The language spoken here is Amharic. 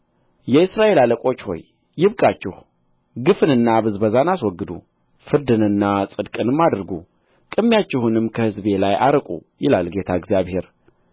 የእስራኤል አለቆች ሆይ ይብቃችሁ ግፍንና ብዝበዛን አስወግዱ ፍርድንና ጽድቅንም አድርጉ ቅሚያችሁን ከሕዝቤ ላይ አርቁ ይላል ጌታ እግዚአብሔር